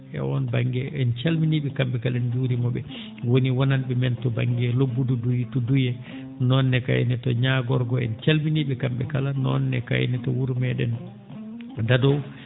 e oon ba?nge en calminii ?e kam?e kala en njuriima ?e woni wonan?e men to ba?nge lobbudu to Douya noon ne kayne to ñaagorgo en calminii ?e kam?e kala noon ne kayne to wuro mee?en Dadow